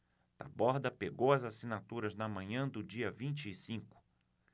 taborda pegou as assinaturas na manhã do dia vinte e cinco